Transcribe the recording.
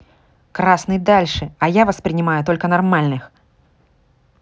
красный дальше а я воспринимаю только нормальных